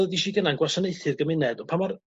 fel udishi gyna'n gwasanaethu'r gymuned pa mor